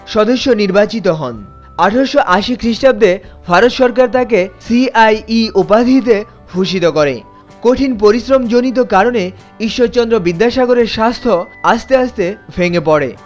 সদস্য নির্বাচিত হন ১৮৮০ খ্রিস্টাব্দে ভারত সরকার তাকে সিআই ই উপাধিতে ভূষিত করে কঠিন পরিশ্রম জনিত কারণে ঈশ্বরচন্দ্র বিদ্যাসাগরের স্বাস্থ্য আস্তে আস্তে ভেঙে পড়ে